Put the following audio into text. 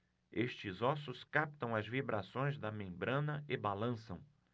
estes ossos captam as vibrações da membrana e balançam